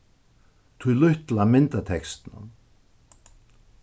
tí lítla myndatekstinum